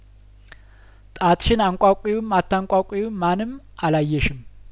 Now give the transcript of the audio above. ጣትሽን አንቋቂውም አታንቋቂውም ማንም አላየሽም